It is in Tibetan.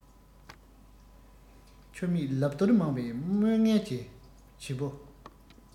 ཆོ མེད ལབ བརྡོལ མང བའི དམོན ངན གྱི བྱེད པོ